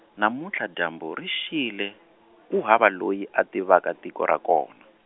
namuntlha dyambu ri xile , ku hava loyi a tivaka tiko ra kona.